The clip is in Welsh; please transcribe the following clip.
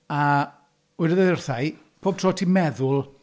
A wedodd e wrtha i "Pob tro ti'n meddwl..."